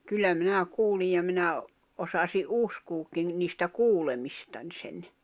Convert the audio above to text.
kyllä minä kuulin ja minä osasin uskoakin niistä kuulemistani sen